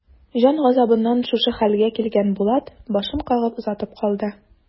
Җан газабыннан шушы хәлгә килгән Булат башын кагып озатып калды.